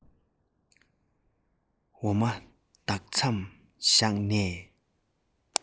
འོ མ ལྡག མཚམས བཞག ནས